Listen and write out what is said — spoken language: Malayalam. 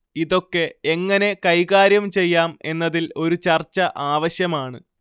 ഇതൊക്കെ എങ്ങനെ കൈകാര്യം ചെയ്യാം എന്നതിൽ ഒരു ചർച്ച ആവശ്യമാണ്